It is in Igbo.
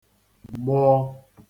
gbọ